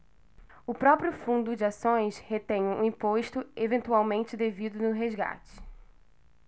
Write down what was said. o próprio fundo de ações retém o imposto eventualmente devido no resgate